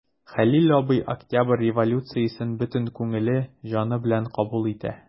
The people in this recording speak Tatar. Хәлил абый Октябрь революциясен бөтен күңеле, җаны белән кабул итә.